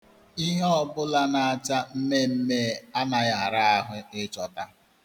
Ihe ọ bụla na-acha mmeemmee anaghị ara ahụ ịchọta.